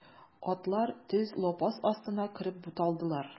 Атлар төз лапас астына кереп буталдылар.